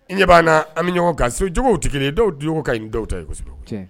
N ɲɛ'a an bɛ ɲɔgɔn kan so juguw tɛ kelen ye dɔw du ka ɲi da ta ye